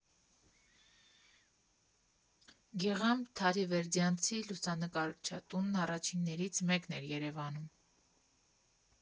Գեղամ Թարիվերդյանցի լուսանկարչատունն առաջիններից մեկն էր Երևանում։